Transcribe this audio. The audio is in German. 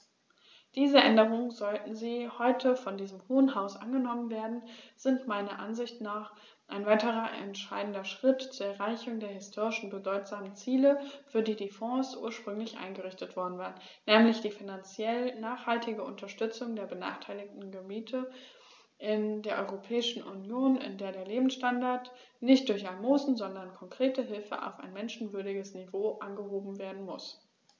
Diese Änderungen, sollten sie heute von diesem Hohen Haus angenommen werden, sind meiner Ansicht nach ein weiterer entscheidender Schritt zur Erreichung der historisch bedeutsamen Ziele, für die die Fonds ursprünglich eingerichtet worden waren, nämlich die finanziell nachhaltige Unterstützung der benachteiligten Gebiete in der Europäischen Union, in der der Lebensstandard nicht durch Almosen, sondern konkrete Hilfe auf ein menschenwürdiges Niveau angehoben werden muss.